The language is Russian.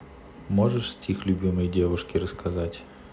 можешь стих любимой девушке рассказать